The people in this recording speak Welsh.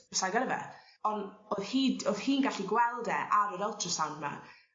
sai gyda fe on' o'dd hyd- o'dd hi'n gallu gweld e ar yr ultrasound 'ma